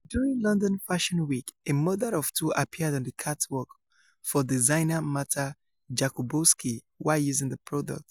During London Fashion Week, a mother of two appeared on the catwalk for designer Marta Jakubowski while using the product.